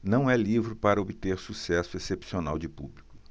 não é livro para obter sucesso excepcional de público